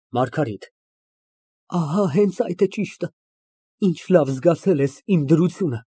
ՄԱՐԳԱՐԻՏ ֊ Ահա հենց այդ է ճիշտը, ինչ լավ զգացել ես իմ դրությունը։